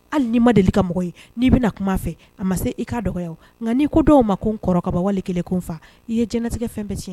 Hali ni'i ma deli ka mɔgɔ n'i bɛna na kuma fɛ a ma se i ka dɔgɔya nka n'i ko dɔw ma ko n kɔrɔ kabawale kelen ko n faga i ye jɛnɛtigɛkɛ fɛn bɛ tiɲɛ